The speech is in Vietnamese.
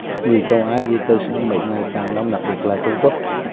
người châu á di cư sang mỹ ngày càng đông đặc biệt là trung quốc